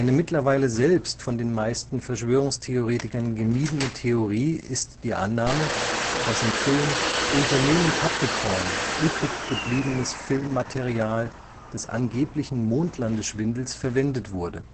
mittlerweile selbst von den meisten Verschwörungstheoretikern gemiedene Theorie ist die Annahme, dass im Film Unternehmen Capricorn übrig gebliebenes Filmmaterial des angeblichen Mondlandeschwindels verwendet wurde